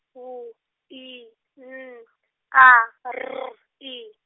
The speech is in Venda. H W I N A R I.